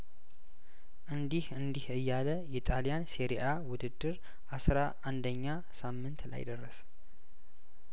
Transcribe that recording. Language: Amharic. እንዲህ እንዲህ እያለን የጣሊያን ሴሪአውድድር አስራ አንደኛ ሳምንት ላይ ደረስን